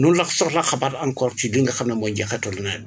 noonu la soxlaa xabaar encore ci lii nga xam ne mooy njeexitalu nawet bi